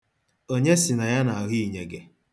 Onye sị na ya na-ahụ inyege?